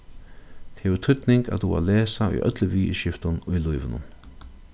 tað hevur týdning at duga at lesa í øllum viðurskiftum í lívinum